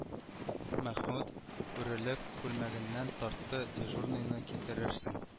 Мәхмүт үрелеп күлмәгеннән тартты дежурныйны китерерсең